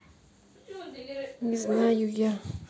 не знаю я